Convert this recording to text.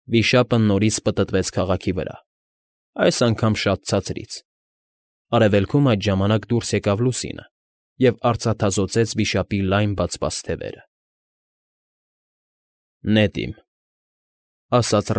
Վիշապը նորից պտտվեց քաղաքի վրա, այս անգամ շատ ցածրից. արևելքում այդ ժամանակ դուրս եկավ լուսինը և արծաթազօծեց վիշապի լայն բացված թևերը։ ֊ Նետ իմ,֊ ասաց։